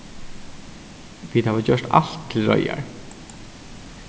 vit hava gjørt alt til reiðar